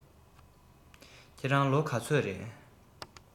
ཁྱེད རང ལོ ག ཚོད རེས